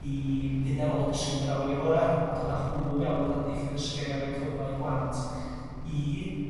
i fynd ar ôl dysgu'n yr awyr agored a dod a hwnnw mawn fath a dull addysgeg a roi cyfle i blant i